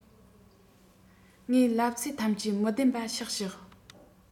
ངས ལབ ཚད ཐམས ཅད མི བདེན པ ཤག ཤག